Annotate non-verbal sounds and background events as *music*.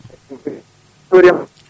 *noise*